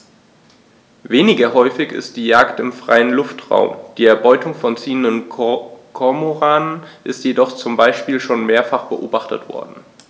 Weniger häufig ist die Jagd im freien Luftraum; die Erbeutung von ziehenden Kormoranen ist jedoch zum Beispiel schon mehrfach beobachtet worden.